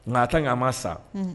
Nka a ta ɲama sa